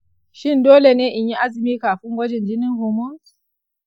shin dole ne in yi azumi kafin gwajin jinin hormones?